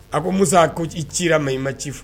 A ko mu ko i cira ma i ma ci fɔ